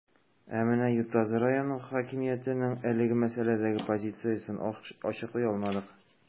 Ә менә Ютазы районы хакимиятенең әлеге мәсьәләдәге позициясен ачыклый алмадык.